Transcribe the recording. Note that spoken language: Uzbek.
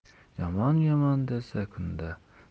yomon yomon desa kunda